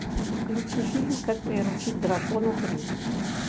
включи фильм как приручить дракона три